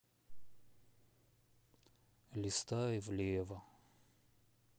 листай влево